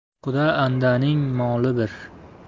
quda andaning moli bir